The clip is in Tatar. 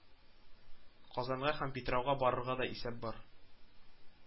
Казанга һәм Питрауга барырга да исәп бар